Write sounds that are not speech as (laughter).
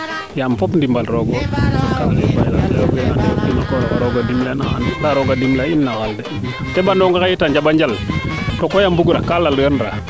yaam fom ndimal roogo (unintelligible) rooga dimle a in no wal rek xa teɓanonga xe tam a njamba njal to koy a mbung ra ka lal gan raa